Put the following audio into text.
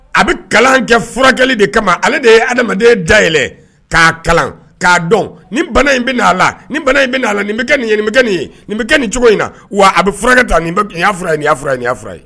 A bɛ kalan kɛ furakɛli de kama ale de ye adama da yɛlɛ k'a kalan k'a dɔn ni in bɛa la ni in bɛ a la nin bɛ nin bɛ nin nin bɛ kɛ nin cogo in na wa a bɛ furakɛ nin'a furakɛ ye